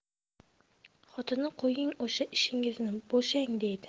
xotini qo'ying o'sha ishingizni bo'shang deydi